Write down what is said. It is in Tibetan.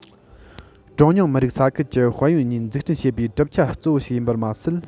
གྲངས ཉུང མི རིགས ས ཁུལ གྱི དཔལ ཡོན གཉིས འཛུགས སྐྲུན བྱེད པའི གྲུབ ཆ གཙོ བོ ཞིག ཡིན པར མ ཟད